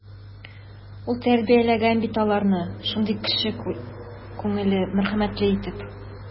Ул тәрбияләгән бит аларны шундый кече күңелле, мәрхәмәтле итеп.